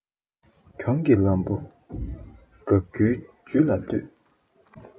གྱོང གི ལམ བུ དགག རྒྱུའི ཇུས ལ ལྟོས